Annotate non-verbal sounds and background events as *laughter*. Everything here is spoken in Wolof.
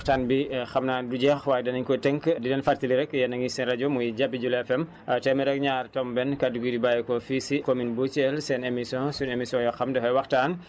kenn moomu ko *hesitation* keneen ki des waxtaan bi xam naa di jeex waaye danañ ko tënk di leen fàttali rek yéen a ngi seen rajo muy Jabi jula FM téeméer ak ñaar tomb benn kàddu gi di bàyyeekoo fii si commune bu Thiel